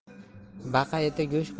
baqa eti go'sht